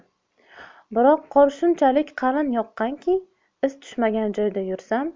biroq qor shunchalik qalin yoqqanki iz tushmagan joyda yursam